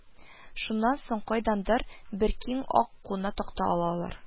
Шуннан соң кайдандыр бер киң ак куна такта алалар